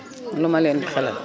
lu ma leen di xelel